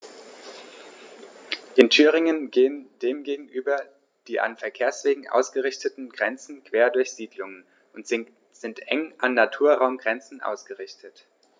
In Thüringen gehen dem gegenüber die an Verkehrswegen ausgerichteten Grenzen quer durch Siedlungen und sind eng an Naturraumgrenzen ausgerichtet.